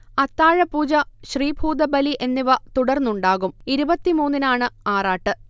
അത്താഴപൂജ, ശ്രീഭൂതബലി എന്നിവ തുടർന്നുണ്ടാകും ഇരുപത്തി മൂന്നിനാണ് ആറാട്ട്